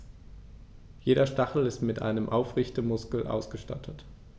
Jeder Stachel ist mit einem Aufrichtemuskel ausgestattet.